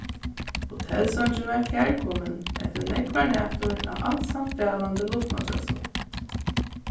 hotellsongin var kærkomin eftir nógvar nætur á alsamt dalandi luftmadrassu